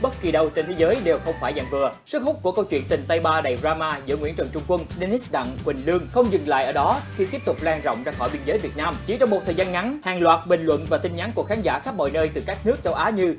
bất kỳ đâu trên thế giới đều không phải dạng vừa sức hút của câu chuyện tình tay ba đầy ram ma giữa nguyễn trần trung quân đe nít đặng quỳnh lương không dừng lại ở đó khi tiếp tục lan rộng ra khỏi biên giới việt nam chỉ trong một thời gian ngắn hàng loạt bình luận về tin nhắn của khán giả khắp mọi nơi từ các nước châu á như